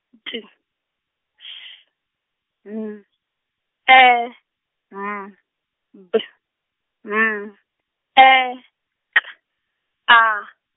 T S H E M B H E K A.